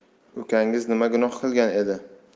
ukangiz nima gunoh qilgan edi